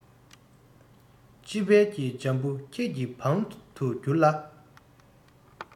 དཔྱིད དཔལ གྱི ལྗང བུ ཁྱེད ཀྱི དབང དུ གྱུར ལ